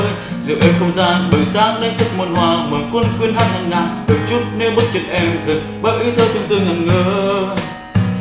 dịu êm không gian bừng sáng đánh thức muôn hoa mừng quấn quít hát ngân nga từng chút níu bước chân em dừng bao ý thơ tương tư ngẩn ngơ ơ